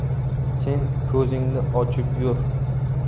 sen ko'zingni ochib yur